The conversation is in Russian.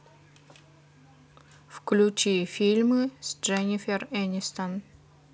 включи фильмы с дженнифер энистон